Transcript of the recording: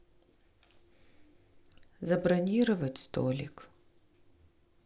забронировать столик